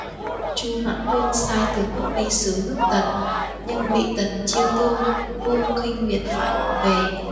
chu noãn vương sai tướng quốc đi sứ nước tần nhưng bị tần chiêu tương vương khinh miệt phải bỏ về